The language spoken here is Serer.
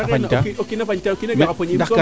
o kiina a fañtaa a gara poñe in